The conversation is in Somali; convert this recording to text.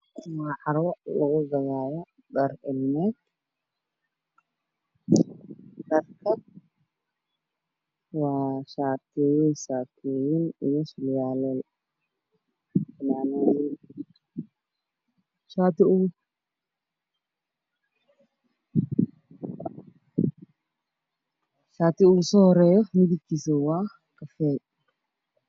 Waa carwo lugu gadaayo dhar ilme. Dharku waa shaatiyo iyo saakooyin, surwaalo, fanaanado. Shaatiga ugu soo horeeyo midabkiisu waa kafay.